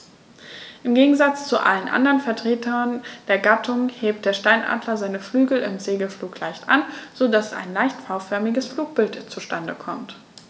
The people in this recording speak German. Im Gegensatz zu allen anderen Vertretern der Gattung hebt der Steinadler seine Flügel im Segelflug leicht an, so dass ein leicht V-förmiges Flugbild zustande kommt.